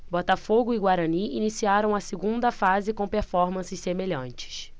botafogo e guarani iniciaram a segunda fase com performances semelhantes